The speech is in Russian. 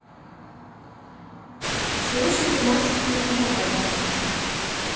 слушай тематики умываются